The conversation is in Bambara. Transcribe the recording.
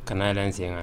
Ka kana yɛrɛ n sen kan